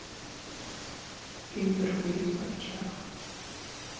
интервью с собчак